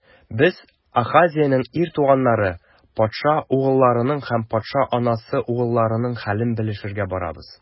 Без - Ахазеянең ир туганнары, патша угылларының һәм патша анасы угылларының хәлен белешергә барабыз.